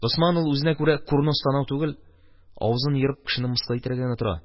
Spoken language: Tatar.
Госман ул, үзенә күрә курнос танау түгел, авызын ерып кешене мыскыл итәргә генә тора.